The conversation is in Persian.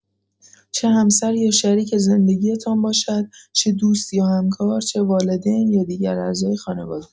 چه همسر یا شریک زندگی‌تان باشد، چه دوست یا همکار، چه والدین یا دیگر اعضای خانواده